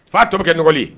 Fa tɔ be kɛ nɔgɔli ye